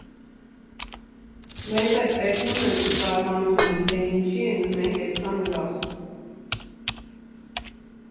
ՄԵզ էլ տեսնում են ու զարմանում են, թե ինչի ենք մենք էդքան ուրախ։